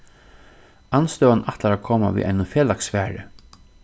andstøðan ætlar at koma við einum felags svari